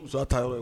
Muso ta yɔrɔ ye